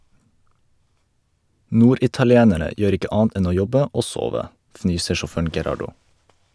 - Norditalienere gjør ikke annet enn å jobbe og sove, fnyser sjåføren Gerardo.